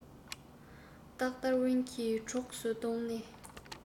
བདག ཏར ཝུན གྱི གྲོགས སུ བསྡོངས ནས